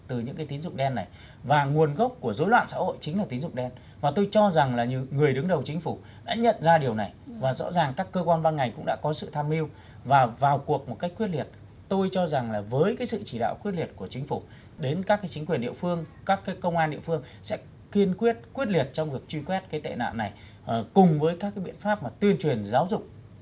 từ những cái tín dụng đen này và nguồn gốc của rối loạn xã hội chính là tín dụng đen và tôi cho rằng là những người đứng đầu chính phủ đã nhận ra điều này và rõ ràng các cơ quan ban ngành cũng đã có sự tham mưu và vào cuộc một cách quyết liệt tôi cho rằng với sự chỉ đạo quyết liệt của chính phủ đến các chính quyền địa phương các cấp công an địa phương sẽ kiên quyết quyết liệt trong việc truy quét cái tệ nạn này ở cùng với các biện pháp và tuyên truyền giáo dục